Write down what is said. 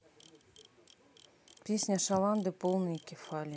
песня шаланды полные кефали